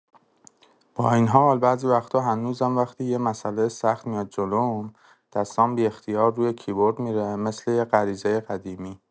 با این حال، بعضی وقتا هنوزم وقتی یه مساله سخت میاد جلوم، دستام بی‌اختیار روی کیبورد می‌ره، مثل یه غریزۀ قدیمی.